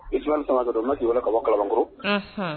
I j samama ka dɔrɔn ma ji ka bɔ kalakɔrɔ